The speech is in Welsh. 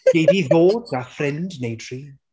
Gei 'di ddod a ffrind neu dri.